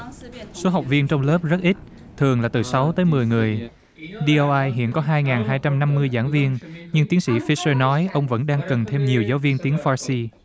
số học viên trong lớp rất ít thường là từ sáu tới mười người đi o ai hiện có hai ngàn hai trăm năm mươi giảng viên nhưng tiến sĩ phít sơ nói ông vẫn đang cần thêm nhiều giáo viên tiếng pha si